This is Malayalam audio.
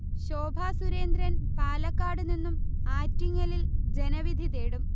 ശോഭസുരേന്ദ്രൻ പാലക്കാട് നിന്നും ആറ്റിങ്ങലിൽ ജനവിധി തേടും